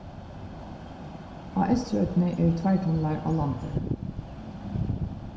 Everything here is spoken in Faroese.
á eysturoynni eru tveir tunlar á landi